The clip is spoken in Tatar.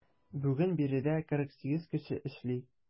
Бүген биредә 48 кеше эшли.